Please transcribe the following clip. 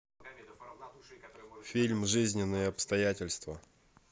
фильм жизненные обстоятельства